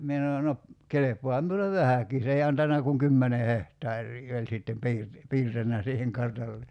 minä sanoin no kelpaahan minulle vähäkin se ei antanut kuin kymmenen hehtaaria oli sitten - piirtänyt siihen kartallensa